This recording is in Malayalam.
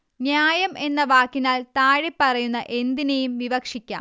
ന്യായം എന്ന വാക്കിനാൽ താഴെപ്പറയുന്ന എന്തിനേയും വിവക്ഷിക്കാം